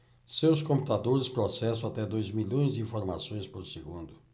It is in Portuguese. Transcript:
seus computadores processam até dois milhões de informações por segundo